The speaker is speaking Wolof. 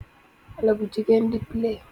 Haley bu jigeen di play.